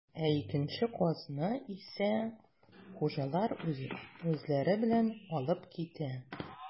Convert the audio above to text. Ә икенче казны исә хуҗалар үзләре белән алып китә.